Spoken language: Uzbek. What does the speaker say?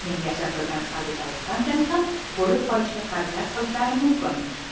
men yashab turgan orbital stansiyani ham bo'lib olishga harakat qilishlari mumkin